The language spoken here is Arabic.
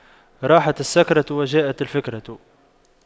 راحت السكرة وجاءت الفكرة